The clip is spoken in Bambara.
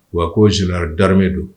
Wa ko génerl d' armée don